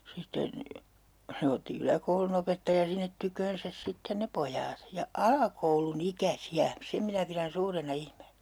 sitten se otti yläkoulunopettaja sinne tykönsä sitten ne pojat ja alakoulunikäisiä sen minä pidän suurena ihmeenä